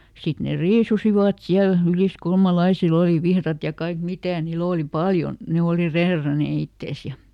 sitten ne riisuivat siellä yliskulmalaisilla oli vihdat ja kaikki mitä niillä oli paljon ne oli reeranneet itsensä ja